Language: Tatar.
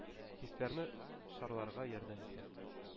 Хисләрне чарларга ярдәм итә,